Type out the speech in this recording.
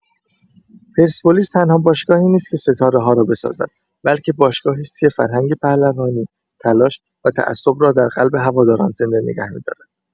پرسپولیس تنها باشگاهی نیست که ستاره‌ها را بسازد، بلکه باشگاهی است که فرهنگ پهلوانی، تلاش و تعصب را در قلب هواداران زنده نگه می‌دارد.